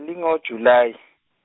linga July.